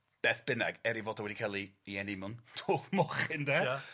beth bynnag, er 'i fod o wedi ca'l 'i 'i eni mewn twlc mochyn de. Ia.